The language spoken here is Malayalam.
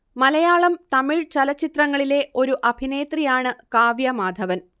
മലയാളം തമിഴ് ചലച്ചിത്രങ്ങളിലെ ഒരു അഭിനേത്രിയാണ് കാവ്യ മാധവൻ